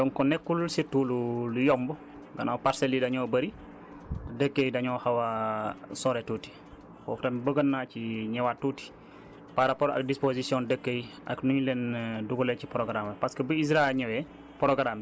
effectivement DG donc nekkul surtout lu lu yomb maanaam parcelles yi dañoo bëri dëkk yi dañoo xaw a sore tuuti foofu tamit bëgg naa ci ñëwaat tuuti par rapport ak disposition dëkk yi ak nu ñu leen dugalee ci prograame bi